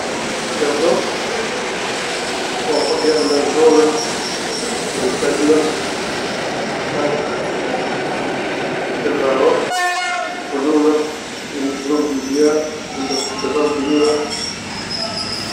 Waa masaajid waxaa fadhiya gabdho